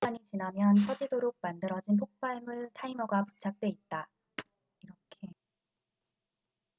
일정 시간이 지나면 터지도록 만들어진 폭발물 타이머가 부착돼 있다